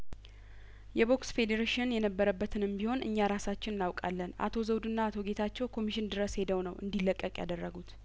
የቦክስ ፌዴሬሽን የነበረበትንም ቢሆን እኛ ራሳችን እናውቃለን አቶ ዘውዱና አቶ ጌታቸው ኮሚሽን ድረስ ሄደው ነው እንዲለቀቅ ያደረጉት